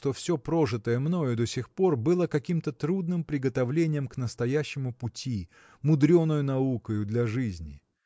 что все прожитое мною до сих пор было каким-то трудным приготовлением к настоящему пути мудреною наукою для жизни.